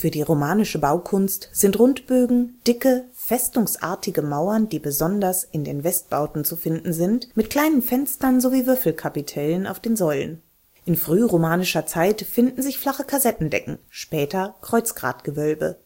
die romanische Baukunst sind Rundbögen, dicke, festungsartige Mauern (besonders in den Westbauten) mit kleinen Fenstern sowie Würfelkapitelle auf den Säulen. In frühromanischer Zeit finden sich flache Kassettendecken, später Kreuzgratgewölbe